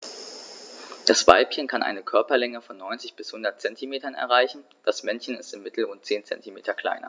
Das Weibchen kann eine Körperlänge von 90-100 cm erreichen; das Männchen ist im Mittel rund 10 cm kleiner.